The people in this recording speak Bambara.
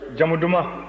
jamu duman